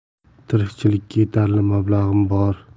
tirikchilikka yetarli mablag'im bor